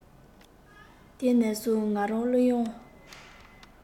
དེ ནས བཟུང ང རང གླུ དབྱངས